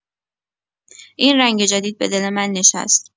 این رنگ جدید به دل من نشست.